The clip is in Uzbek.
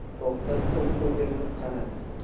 to'xtab o'girilib qaradi